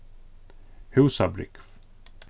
húsabrúgv